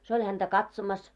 se oli häntä katsomassa